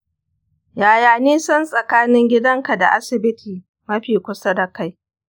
yaya nisan tsakanin gidanka da asibiti mafi kusa da kai?